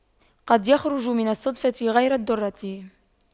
قد يخرج من الصدفة غير الدُّرَّة